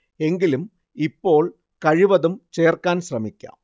എങ്കിലും ഇപ്പോൾ കഴിവതും ചേർക്കാൻ ശ്രമിക്കാം